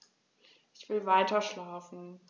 Ich will weiterschlafen.